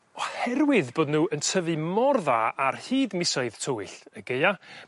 oherwydd bod n'w yn tyfu mor dda ar hyd misoedd tywyll y Gaea